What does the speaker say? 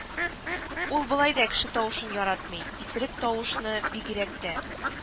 Ул болай да кеше тавышын яратмый, исерек тавышны бигрәк тә